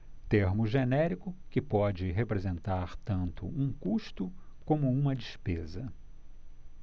termo genérico que pode representar tanto um custo como uma despesa